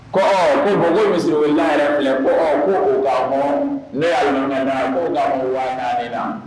Ɔ ko bon ko misiriweelela yɛrɛ filɛ ko